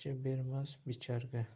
qaychi bermas bicharga